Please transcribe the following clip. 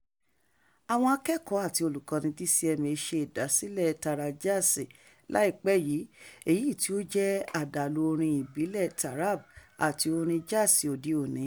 Àwọn akẹ́kọ̀ọ́ àti olùkọ́ni DCMA ṣe ìdásílẹ̀ẹ "TaraJazz" láì pẹ́ yìí, èyí tí ó jẹ́ àdàlù orin ìbílẹ̀ taarab àti orin Jazz òde òní.